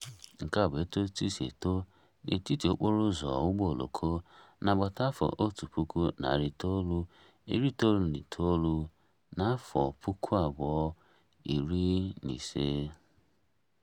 Nke a bụ etu osisi si eto n'etiti okporo ụzọ ụgbọ oloko n'agbata afọ 1999 na 2015...